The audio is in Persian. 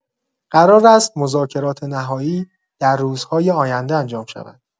قرار است مذاکرات نهایی در روزهای آینده انجام شود.